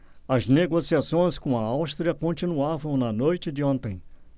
as negociações com a áustria continuavam na noite de ontem